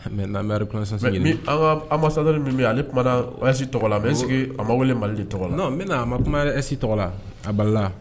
Mais n'an ma reconnaissance ɲini mais min an ka ambassadeur min bɛ yan ale kuma na AES tɔgɔ la, mais est-ce que a ma wele Mali de tɔgɔ la non kun min na a kuma AES tɔgɔ la, a balila